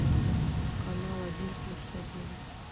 канал один плюс один